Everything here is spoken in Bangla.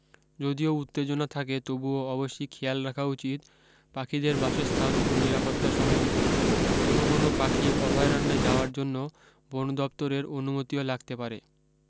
যদিও উত্তেজনা থাকে তবুও অবশ্যি খেয়াল রাখা উচিত পাখিদের বাসস্থান ও নিরাপত্তা সম্বন্ধে কোনও কোনও পাখি অভয়ারন্যে যাওয়ার জন্য বন দপ্তরের অনুমতিও লাগতে পারে